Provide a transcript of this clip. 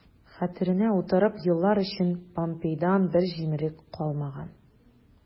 Хәтеренә утырып елар өчен помпейдан бер җимерек калмаган...